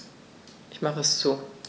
Ich mache es zu.